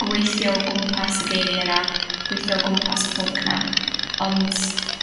gweithio o gwmpas y geirie 'na, gweithio o gwmpas y pwnc 'na, ond